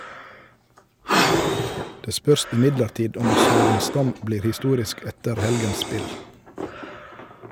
Det spørs imidlertid om Sörenstam blir historisk etter helgens spill.